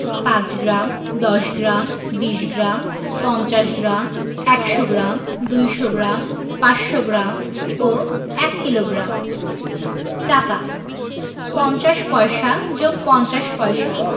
৫ gram ১০গ্ৰাম ২০ gram ৫০ gram ১০০ gram ২০০ gram ৫০০ gram ও ১ kilogram টাকাঃ ৫০ পয়সা + ৫০ পয়স